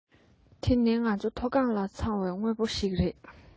འདི ནི ང ཚོ འཐོ སྒང ལ འཚམས པས དངོས པོ ཞིག རེད